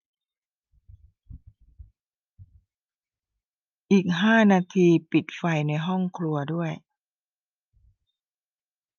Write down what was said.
อีกห้านาทีปิดไฟในห้องครัวด้วย